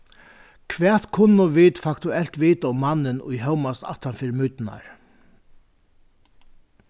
hvat kunnu vit faktuelt vita um mannin ið hómast aftan fyri myturnar